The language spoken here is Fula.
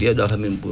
ɗeɗo tan min ɓu